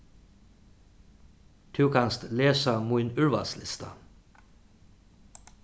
tú kanst lesa mín úrvalslista